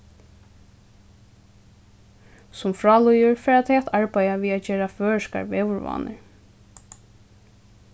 sum frá líður fara tey at arbeiða við at gera føroyskar veðurvánir